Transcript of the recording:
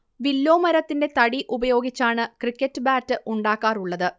വില്ലോമരത്തിന്റെ തടി ഉപയോഗിച്ചാണ് cricket bat ഉണ്ടാക്കാറുള്ളത്